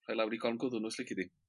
rhoi lawr 'u gorn gwddw nhw 's lici di.